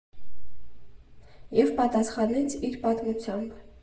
Եվ պատասխանեց իր պատմությամբ.